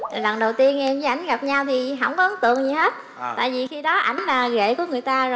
lần đầu tiên em với ảnh gặp nhau thì hỏng ấn tượng gì hết tại vì khi đó ảnh là ghệ của người ta rồi